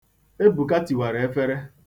Ebuka tiwara efere.